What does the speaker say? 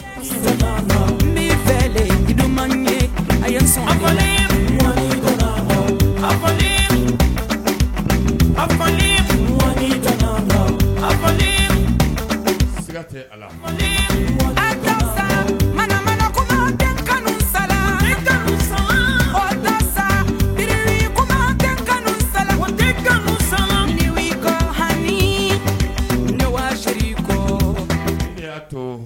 Minji ɲuman a ye san la a boli a ko mɔni a boli ala adamama kun ka kanu sa ka wa miniyan kun ka kanu sa ka sankɔrɔ wa wa ko